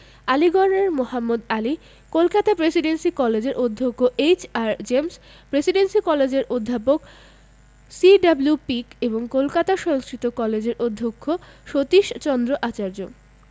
আলীগড়ের Mohammad Ali Kolkata Presidency কলেজের অধ্যক্ষ H R James Presidency কলেজের অধ্যাপক সি.ডব্লিউ পিক এবং কলকাতা সংস্কৃত কলেজের অধ্যক্ষ সতীশচন্দ্র আচার্য